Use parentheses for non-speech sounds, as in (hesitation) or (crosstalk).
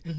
(hesitation) (hesitation)